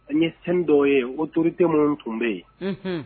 N ye fɛn dɔw ye otote minnu tun bɛ yen